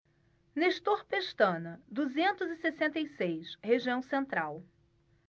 nestor pestana duzentos e sessenta e seis região central